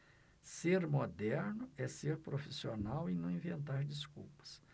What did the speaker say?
ser moderno é ser profissional e não inventar desculpas